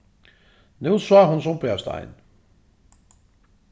nú sá hon sumbiarstein